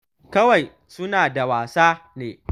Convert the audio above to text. “Kawai suna da wasa ne.